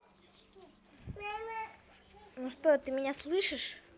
ну что ты меня слышишь